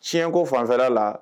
Tiɲɛ ko fanfɛ la